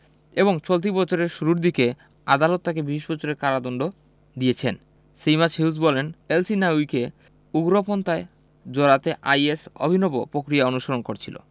এবং চলতি বছরের শুরুর দিকে আদালত তাকে ২০ বছরের কারাদণ্ড দিয়েছেন সেইমাস হিউজ বলেন এলসহিনাউয়িকে উগ্রপন্থায় জড়াতে আইএস অভিনব প্রক্রিয়া অনুসরণ করেছিল